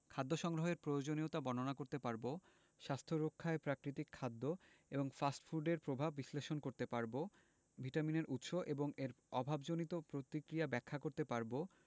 ⦁ খাদ্য সংরক্ষণের প্রয়োজনীয়তা বর্ণনা করতে পারব ⦁ স্বাস্থ্য রক্ষায় প্রাকৃতিক খাদ্য এবং ফাস্ট ফুডের প্রভাব বিশ্লেষণ করতে পারব ⦁ ভিটামিনের উৎস এবং এর অভাবজনিত প্রতিক্রিয়া ব্যাখ্যা করতে পারব